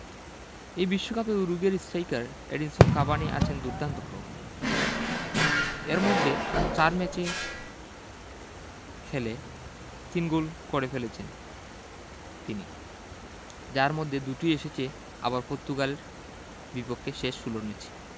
এই বিশ্বকাপে উরুগুয়ের স্টাইকার এডিনসন কাভানি আছেন দুর্দান্ত ফর্মে এর মধ্যে ৪ ম্যাচে খেলে ৩ গোল করে ফেলেছেন তিনি যার মধ্যে দুটোই এসেছে আবার পর্তুগালের বিপক্ষে শেষ ষোলোর ম্যাচে